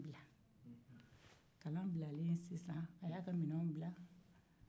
kalan bilalen sisan a y'a ka minɛnw bila